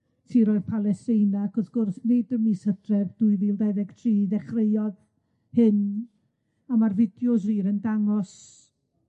tiroedd Palesteina, ac wrth gwrs, nid ym mis Hydref dwy fil dau ddeg tri ddechreuodd hyn, a ma'r fideos wir yn dangos